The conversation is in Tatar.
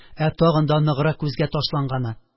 Ә тагын да ныграк күзгә ташланганы: